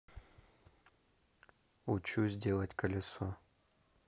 учусь делать колесо